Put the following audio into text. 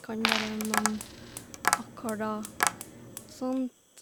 Kan bare noen akkorder og sånt.